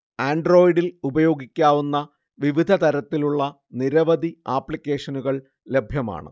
ആൻഡ്രോയ്ഡിൽ ഉപയോഗിക്കാവുന്ന വിവിധതരത്തിലുള്ള നിരവധി ആപ്ലിക്കേഷനുകൾ ലഭ്യമാണ്